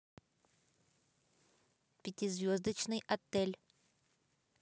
пятизвездочный отель